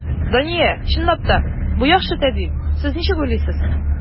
Дания, чынлап та, бу яхшы тәкъдим, син ничек уйлыйсың?